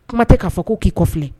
Kuma tɛ k'a fɔ ko k'i kɔfi